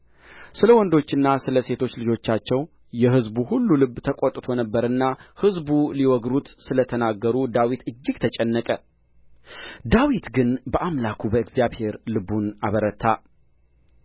ስለ ወንዶችና ስለ ሴቶች ልጆቻቸው የሕዝቡ ሁሉ ልብ ተቈጥቶ ነበርና ሕዝቡ ሊወግሩት ስለ ተናገሩ ዳዊት እጅግ ተጨነቀ ዳዊት ግን በአምላኩ በእግዚአብሔር ልቡን አበረታ